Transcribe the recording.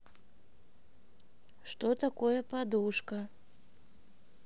что такое подушка